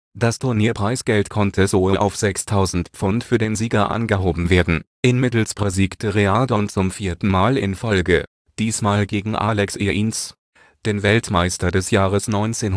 Das Turnierpreisgeld konnte so auf 6.000 £ für den Sieger angehoben werden. In Middlesbrough siegte Reardon zum vierten Mal in Folge; diesmal gegen Alex Higgins, den Weltmeister des Jahres 1972